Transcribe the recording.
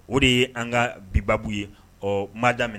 O de ye an ka bi babu ye, ɔɔ ma daminɛ